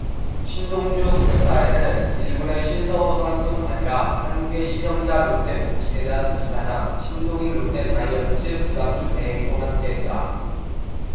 신동주 쿠데타에는 일본의 신선호 사장뿐 아니라 한국의 신영자 롯데복지재단 이사장 신동인 롯데자이언츠 구단주 대행도 함께했다